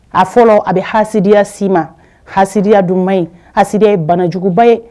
A fɔlɔ a bɛ haya si ma haya dunba in ha banajuguba ye